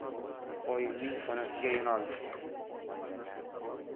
oyimning xonasiga yo'naldi